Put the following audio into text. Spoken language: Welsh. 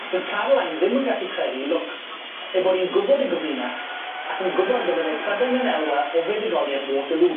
Do'dd Caroline ddim yn gallu credu 'i lwc ei bod 'i'n gwbod y gyfrinach ac yn gwbod y byddai Prydain yn elwa o fuddugolieth Waterloo.